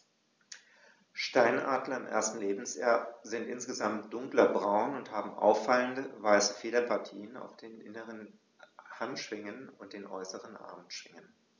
Steinadler im ersten Lebensjahr sind insgesamt dunkler braun und haben auffallende, weiße Federpartien auf den inneren Handschwingen und den äußeren Armschwingen.